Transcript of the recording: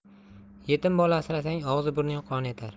yetim bola asrasang og'zi burning qon etar